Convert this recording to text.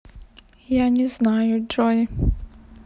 я не знаю джой